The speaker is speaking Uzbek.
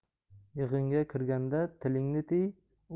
yig'inga kirganda tilingni tiy